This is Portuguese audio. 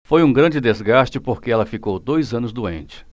foi um grande desgaste porque ela ficou dois anos doente